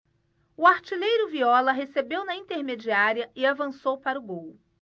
o artilheiro viola recebeu na intermediária e avançou para o gol